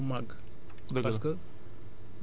nga fexe ba suuxat ko